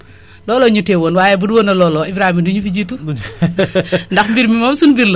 looloo ñu téyewoon waaye bu dul woon ak loolu Ibrahima du ñu fi jiitu ndax mbir mi moom suñu mbir la